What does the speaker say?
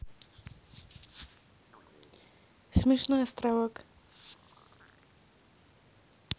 смешной островок